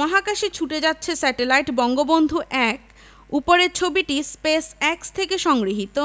মহাকাশে ছুটে যাচ্ছে স্যাটেলাইট বঙ্গবন্ধু ১ উপরের ছবিটি স্পেসএক্স থেকে সংগৃহীত